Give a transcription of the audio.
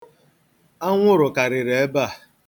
Anwụrụ karịrị ebe a?